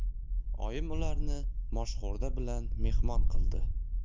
oyim ularni moshxo'rda bilan mehmon qildi